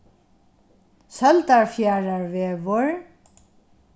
søldarfjarðarvegur